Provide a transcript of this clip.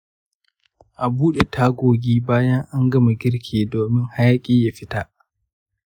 a buɗe tagogi bayan an gama girki domin hayaƙi ya fita.